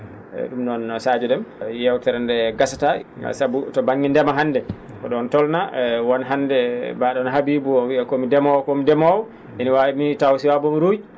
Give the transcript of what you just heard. eeyi ?um noon Sadio Déme yeewtere nde gasataa sabu to ba?nge ndema hannde ko ?oon tolnaa e won hannde mbaa?o no Habibou wiya ko mi ndemoowo ko mi ndemowo ina waawi ni taw suwaa bom ruuy